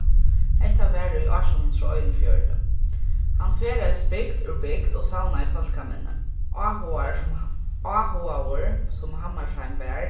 hetta var í átjan hundrað og einogfjøruti hann ferðaðist bygd úr bygd og savnaði fólkaminni áhugaður sum áhugaður sum hammershaimb var